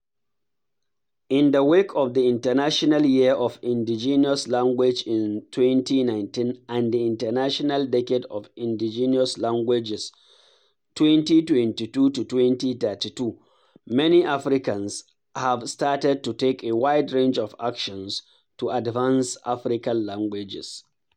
In the wake of the International Year of Indigenous Languages in 2019 and the International Decade of Indigenous Languages 2022-2032, many Africans have started to take a wide range of actions to advance African languages.